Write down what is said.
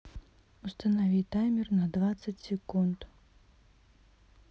установи таймер на двадцать секунд